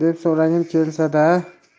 deb so'ragim kelsa da